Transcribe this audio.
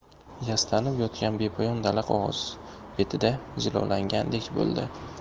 yastanib yotgan bepoyon dala qog'oz betida jilolangandek bo'ldi